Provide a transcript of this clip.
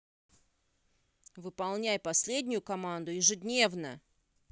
выполняй последнюю команду ежедневно